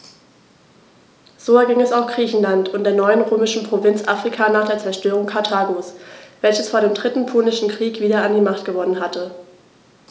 So erging es auch Griechenland und der neuen römischen Provinz Afrika nach der Zerstörung Karthagos, welches vor dem Dritten Punischen Krieg wieder an Macht gewonnen hatte.